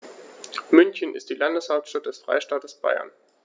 München ist die Landeshauptstadt des Freistaates Bayern.